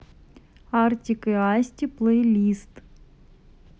artik и asti плейлист